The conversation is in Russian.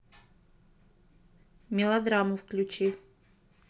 мелодраму включи